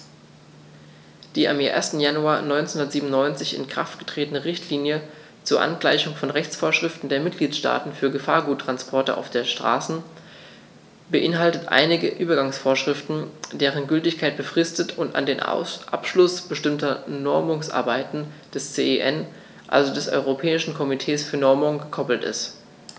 Die am 1. Januar 1997 in Kraft getretene Richtlinie zur Angleichung von Rechtsvorschriften der Mitgliedstaaten für Gefahrguttransporte auf der Straße beinhaltet einige Übergangsvorschriften, deren Gültigkeit befristet und an den Abschluss bestimmter Normungsarbeiten des CEN, also des Europäischen Komitees für Normung, gekoppelt ist.